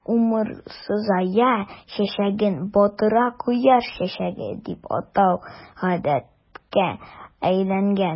Ә умырзая чәчәген "батыр кояш чәчәге" дип атау гадәткә әйләнгән.